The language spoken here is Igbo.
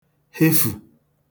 hefù